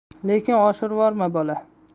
lekin oshirvorma bola